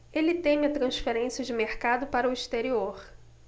ele teme a transferência de mercado para o exterior